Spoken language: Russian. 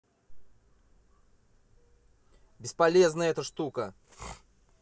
бесполезная эта штука